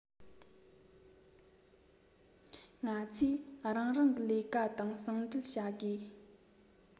ང ཚོས རང རང གི ལས ཀ དང ཟུང འབྲེལ བྱ དགོས